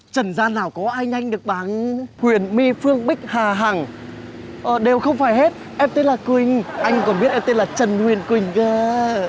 trần gian nào có ai nhanh được bằng huyền my phương bích hà hằng ờ đều không phải hết em tên là quỳnh anh còn biết ai tên là trần huyền quỳnh cơ